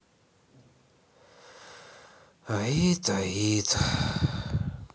аид аид